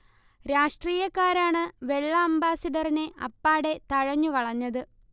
രാഷ്ട്രീയക്കാരാണ് വെള്ള അംബാസഡറിനെ അപ്പാടെ തഴഞ്ഞു കളഞ്ഞത്